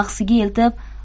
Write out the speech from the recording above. axsiga eltib